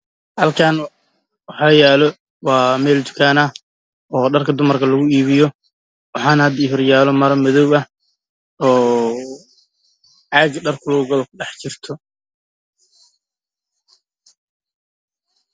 Halkan meel dukaan ah oo dharka lagu iibiyo waxaa haddii horyaalo saaka madow ah oo qurxin ah